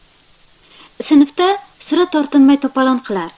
sinfda sira tinmay to'polon qilar